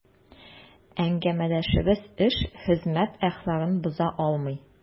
Әңгәмәдәшебез эш, хезмәт әхлагын боза алмый.